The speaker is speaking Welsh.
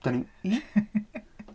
Dan ni'n...